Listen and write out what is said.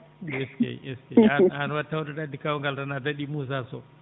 eskey eskey an an tawde aɗa anndi kawgal tan a daɗii Moussa Sow